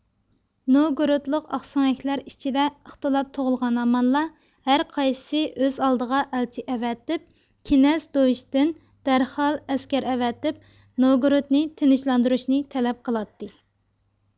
نوۋگورودلۇق ئاقسۆڭەكلەر ئىچىدە ئىختىلاپ تۇغۇلغان ھامانلا ھەرقايسىسى ئۆز ئالدىغا ئەلچى ئەۋەتىپ كىنەز دوۋىچتىن دەرھال ئەسكەر ئەۋەتىپ نوۋگورودنى تىنچلاندۇرۇشنى تەلەپ قىلاتتى